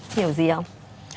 hiểu gì không